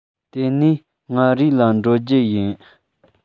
དེ ནས མངའ རིས ལ འགྲོ རྒྱུ ཡིན